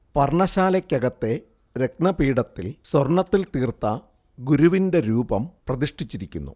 പർണ്ണശാലക്കകത്തെ രത്നപീഠത്തിൽ സ്വർണ്ണത്തിൽ തീർത്ത ഗുരുവിന്റെ രൂപം പ്രതിഷ്ഠിച്ചിരിക്കുന്നു